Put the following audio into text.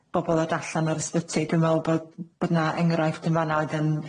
bobol ddod allan o'r ysbyty. Dwi'n me'wl bod bod 'na enghraifft yn fan'na oedd yn